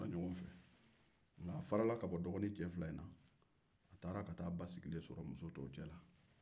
a farala ka bɔgɔninw na a taara ba sigilen sɔrɔ muso tow cɛla